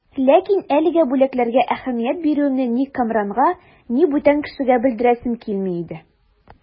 Ләкин әлеге бүләкләргә әһәмият бирүемне ни Кәмранга, ни бүтән кешегә белдерәсем килми иде.